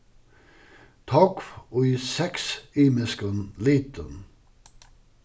tógv í seks ymiskum litum